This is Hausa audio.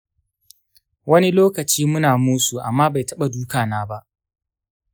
wani lokaci muna musu amma bai taba duka na ba.